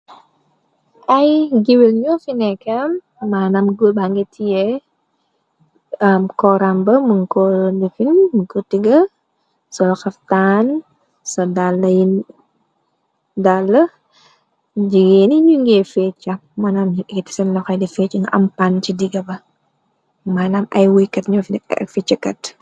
Ay giwel ñoo fi nekkam manam gur banga tiye am koram ba mun kor nufin mu ko tiga sal xaftaan sa dala yi dall jigeeni ñu nge feecca mënam gt sen loxey de feec nga am pan ci diga ba manam ay wuykat ñoo fi ak feccakat.